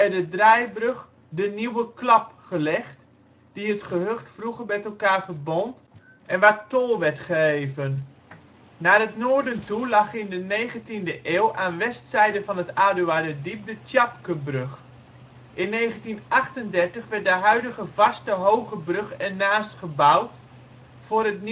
de draaibrug de ' Nieuwe Klap ' gelegd, die het gehucht vroeger met elkaar verbond en waar tol werd geheven. Naar het noorden toe lag in de 19e eeuw aan westzijde van het Aduarderdiep de Tjapkebrug. In 1938 werd de huidige vaste ' hoge brug ' ernaast gebouwd voor het